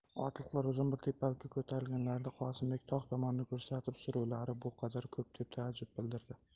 otliqlar uzun bir tepalikka ko'tarilganlarida qosimbek tog' tomonni ko'rsatib suruvlar bu qadar ko'p deb taajjub bildirdi